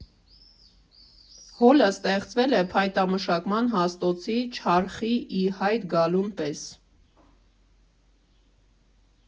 Հոլը ստեղծվել է փայտամշակման հաստոցի՝ չարխի ի հայտ գալուն պես։